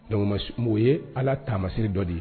Dɔnkuc mɔgɔw ye ala taamasi dɔ de ye